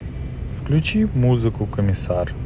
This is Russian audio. включи музыку комиссар